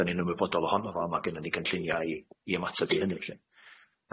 'dan ni'n ymwybodol ohono fo a ma' gennon ni gynllunia i i ymateb i hynny lly.